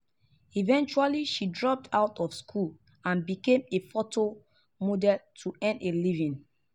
Eventually, she dropped out of school and became a photo model to earn a living.